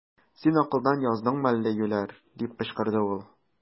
Син акылдан яздыңмы әллә, юләр! - дип кычкырды ул.